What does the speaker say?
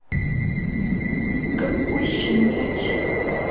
какой щенячий